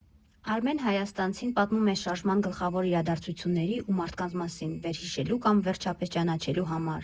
Արմեն Հայաստանցին պատմում է Շարժման գլխավոր իրադարձությունների ու մարդկանց մասին՝ վերհիշելու կամ վերջապես ճանաչելու համար։